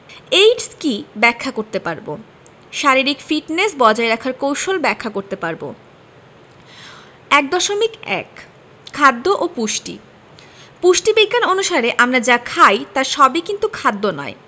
AIDS কী ব্যাখ্যা করতে পারব শারীরিক ফিটনেস বজায় রাখার কৌশল ব্যাখ্যা করতে পারব ১.১ খাদ্য ও পুষ্টি পুষ্টিবিজ্ঞান অনুসারে আমরা যা খাই তার সবই কিন্তু খাদ্য নয়